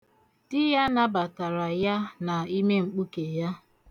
Di ya nabatara ya na ime mkpuke ya.